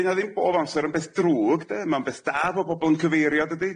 'Dy 'na ddim bob amser yn beth drwg 'de ma'n beth da bo' bobol yn cyfeirio dydi?